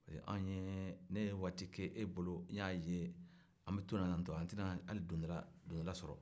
ne ye waati k'e bolo n y'a ɲe an bɛ to nin nan ten to an tɛna don dala sɔrɔ